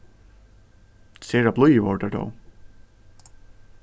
sera blíðir vóru teir tó